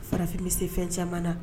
Farafin bi se fɛn caman na.